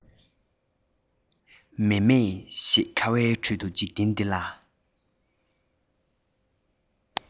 མཱེ མཱེ ཞེས ངས ཁ བའི ཁྲོད དུ འཇིག རྟེན འདི ལ